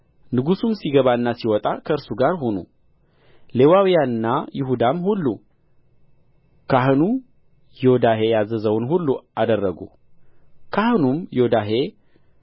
ንጉሡም ሲገባና ሲወጣ ከእርሱ ጋር ሁኑ ሌዋውያንና ይሁዳም ሁሉ ካህኑ ዮዳሄ ያዘዘውን ሁሉ አደረጉ ካህኑም ዮዳሄ